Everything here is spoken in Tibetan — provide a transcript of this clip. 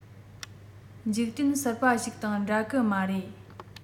འཇིག རྟེན གསར པ ཞིག དང འདྲ གི མ རེད